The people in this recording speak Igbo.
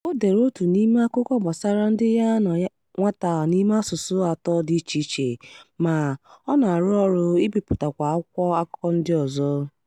O dere otu n'ime akụkọ gbasara ndị ya na nwata n'ime asụsụ 3 dị ịche ịche, ma ọ na-arụ ọrụ ibipụtakwu akwụkwọ akụkọ ndị ọzọ.